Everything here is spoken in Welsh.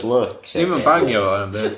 Sw ni'm yn bangio fo de.